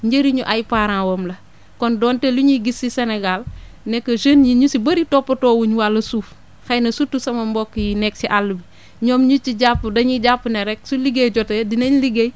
njëriñu ay parents am la kon donte li ñuy gis si Sénégal ne que jeunes yi ñu si bëri toppatoo wuñ wàllu suuf xëy na surtout sama mbokk yi nekk si àll bi ñoom ñu ci jàpp dañuy jàpp ne rek su liggéey jotee dinañ liggéey